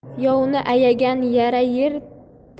yovni ayagan yara